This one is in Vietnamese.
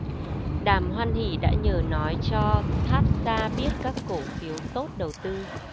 đàm hoan hỷ đã nhờ nói cho thát xa biết các cổ phiếu tốt đầu tư